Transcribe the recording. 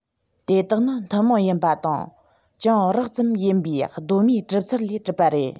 དེ དག ནི ཐུན མོང ཡིན པ དང ཅུང རགས རིམ ཡིན པའི གདོད མའི གྲུབ ཚུལ ལས གྲུབ པ རེད